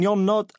nionod